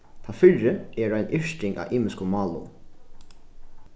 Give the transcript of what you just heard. tann fyrri er ein yrking á ymiskum málum